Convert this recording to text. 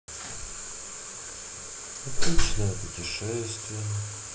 эпичное путешествие